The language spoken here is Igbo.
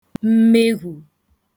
mmewù